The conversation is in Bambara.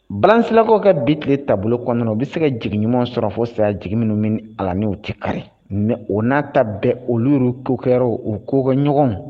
Basilakaw ka bi tile taabolo kɔnɔna u bɛ se ka jigin ɲuman sɔrɔ fo sayaj minnu min a ni o tɛ kari mɛ o n'a ta bɛn olu ko kɛ u ko ɲɔgɔn